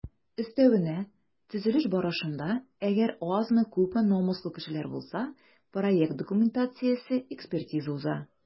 Өстәвенә, төзелеш барышында - әгәр азмы-күпме намуслы кешеләр булса - проект документациясе экспертиза уза.